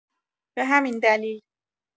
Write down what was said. به همین دلیل